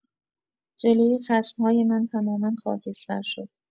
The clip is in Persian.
جلوی چشم‌های من تماما خاکستر شد.